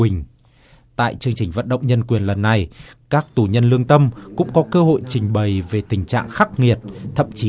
quỳnh tại chương trình vận động nhân quyền lần này các tù nhân lương tâm cũng có cơ hội trình bày về tình trạng khắc nghiệt thậm chí